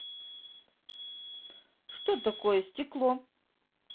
что такое стекло